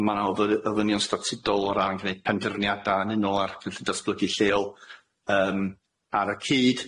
a ma' na o ddy- ddyfynion statudol o ran gneud penderfyniada yn unol ar cynllun datblygu lleol yym ar y cyd.